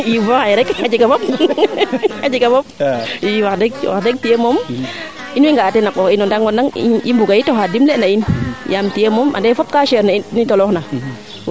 i boo xaye rek a jega fop i wax wax deg tiye moom in wwey nga';a teen a qoox in o ndango ndang i mbuga yit oxa dimle na in yaam tiye moom ande fop kaa chere na in mee i toloox na